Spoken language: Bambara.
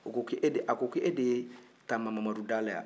a ko e de ye tanba mamadu dala ye